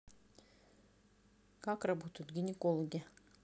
как работают гинекологи